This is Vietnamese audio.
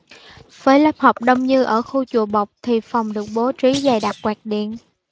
với lớp học đông như ở khu chùa bộc thì phòng được bố trí dày đặc quạt điện